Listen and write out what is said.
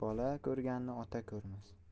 bola ko'rganni ota ko'rmas